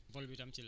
vol bi tam ci la